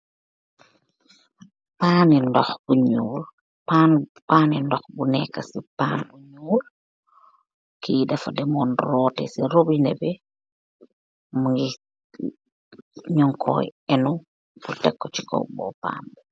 Paneeh dooh bu nul , paneeh dooh bu nekasi pann buuh nul , ki dafa demmon roteeh si robinehbi , mukeh genkoh ehnuh pul tekoh si kow bobam bi